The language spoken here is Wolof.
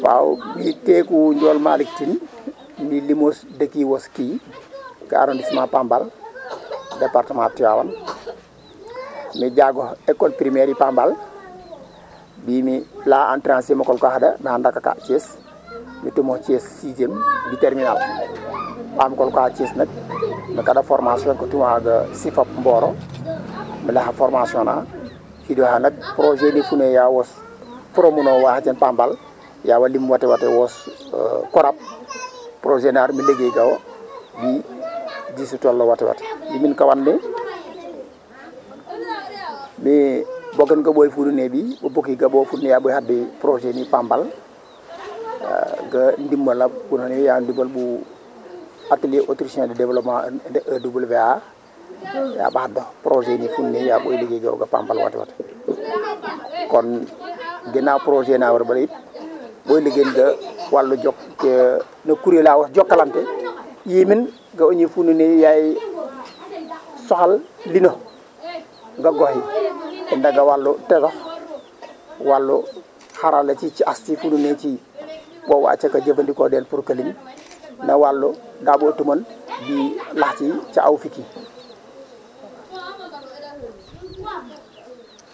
waaw